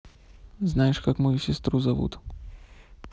знаешь как мою сестру зовут